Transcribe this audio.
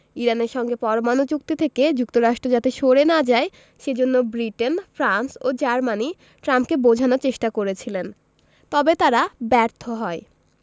ইরানের সঙ্গে পরমাণু চুক্তি থেকে যুক্তরাষ্ট্র যাতে সরে না যায় সে জন্য ব্রিটেন ফ্রান্স ও জার্মানি ট্রাম্পকে বোঝানোর চেষ্টা করছিলেন তবে তারা ব্যর্থ হয়